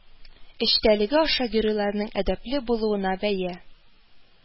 Эчтəлеге аша геройларның əдəпле булуына бəя